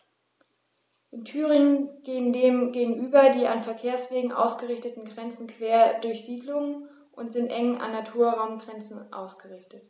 In Thüringen gehen dem gegenüber die an Verkehrswegen ausgerichteten Grenzen quer durch Siedlungen und sind eng an Naturraumgrenzen ausgerichtet.